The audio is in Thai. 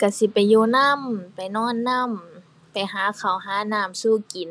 ก็สิไปอยู่นำ ไปนอนนำ ไปหาข้าวหาน้ำสู่กิน